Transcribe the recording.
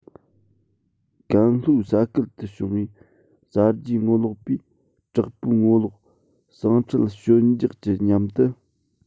ཀན ལྷོའི ས ཁུལ དུ བྱུང བའི གསར བརྗེའི ངོ ལོག པའི དྲག པོའི ངོ ལོག ཟིང འཁྲུག ཞོད འཇགས ཀྱི མཉམ དུ